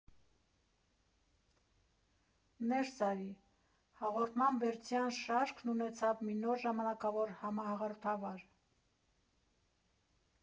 «Նե՛րսի արի» հաղորդման բերդյան շարքն ունեցավ մի նոր ժամանակավոր համահաղորդավար։